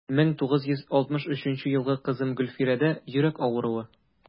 1963 елгы кызым гөлфирәдә йөрәк авыруы.